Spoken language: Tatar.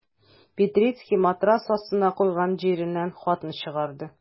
Петрицкий матрац астына куйган җирәннән хатны чыгарды.